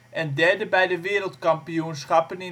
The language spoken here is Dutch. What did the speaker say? en derde bij de wereldkampioenschappen